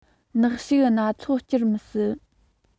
ནག གཞུག སྣ ཚོགས བསྐྱུར མི སྲིད